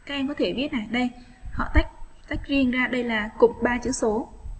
học cách tách riêng ra đây là cục ba chữ số